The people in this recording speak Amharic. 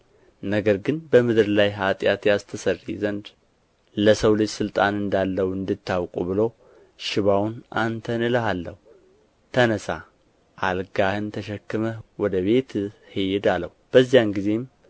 ነገር ግን በምድር ላይ ኃጢአት ሊያስተሰርይ ለሰው ልጅ ሥልጣን እንዳለው እንድታውቁ ብሎ ሽባውን አንተን እልሃለሁ ነተሣ አልጋህን ተሸክመህ ወደ ቤትህ ሂድ አለው በዚያን ጊዜም